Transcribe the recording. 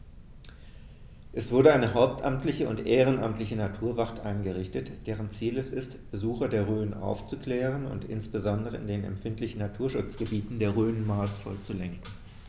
Es wurde eine hauptamtliche und ehrenamtliche Naturwacht eingerichtet, deren Ziel es ist, Besucher der Rhön aufzuklären und insbesondere in den empfindlichen Naturschutzgebieten der Rhön maßvoll zu lenken.